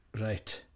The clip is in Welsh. Reit.